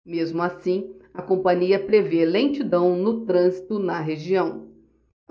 mesmo assim a companhia prevê lentidão no trânsito na região